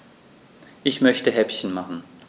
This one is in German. Ich möchte Häppchen machen.